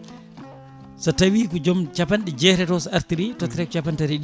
so tawi ko joom capanɗe jeetati o so artiri tottete ko capantati e ɗiɗi